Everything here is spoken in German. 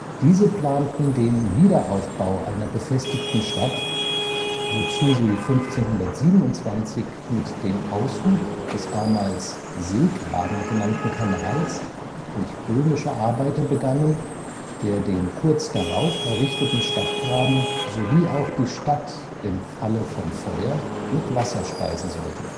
Diese planten den Wiederaufbau einer befestigten Stadt, wozu sie 1527 mit dem Aushub des damals „ Seegraben “genannten Kanals durch böhmische Arbeiter begannen, der den kurz darauf errichteten Stadtgraben sowie auch die Stadt im Falle von Feuer mit Wasser speisen sollte